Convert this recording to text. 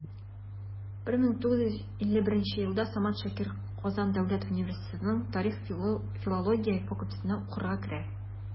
1951 елда самат шакир казан дәүләт университетының тарих-филология факультетына укырга керә.